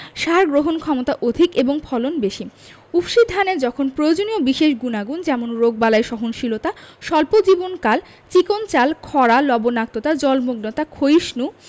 সার গ্রহণক্ষমতা অধিক এবং ফলন বেশি উফশী ধানে যখন প্রয়োজনীয় বিশেষ গুনাগুণ যেমন রোগবালাই সহনশীলতা স্বল্প জীবনকাল চিকন চাল খরা লবনাক্ততা জলমগ্নতা ক্ষইষ্ণু